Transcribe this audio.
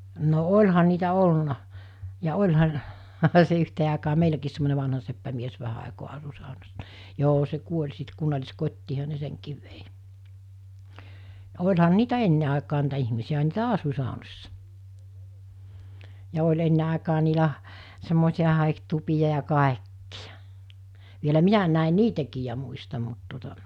no olihan niitä ollut ja olihan se yhteen aikaan meilläkin semmoinen vanha seppämies vähän aikaa asui saunassa niin joo se kuoli sitten kunnalliskotiinhan ne senkin vei ja olihan niitä ennen aikaan niitä ihmisiä niitä asui saunassa ja oli ennen aikaan niillä semmoisia haikutupia ja kaikkia vielä minä näin niitäkin ja muistan mutta tuota